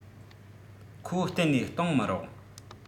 ཁོ གཏན ནས གཏོང མི རུང